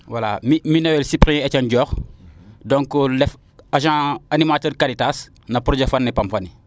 wala mi ne supplier Ethiene Diokh donc ref agent animateur Karitas no projet fani Pam fani